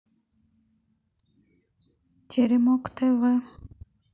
теремок тв